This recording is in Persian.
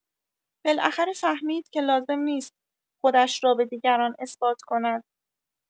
بالاخره فهمید که لازم نیست خودش را به دیگران اثبات کند.